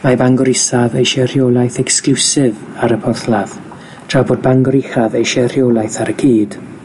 Mae Bangor Isaf eisiau rheolaeth ecsgliwsif ar y porthladd, tra bod Bangor Uchaf eisie rheolaeth ar y cyd.